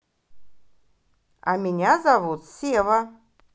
а меня зовут сева